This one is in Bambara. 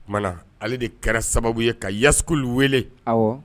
O tuma na ale de kɛra sababu ye ka Yas Coul wele, awɔ